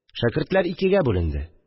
Шәкертләр икегә бүленде